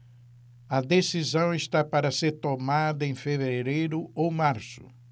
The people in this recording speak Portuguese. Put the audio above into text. a decisão está para ser tomada em fevereiro ou março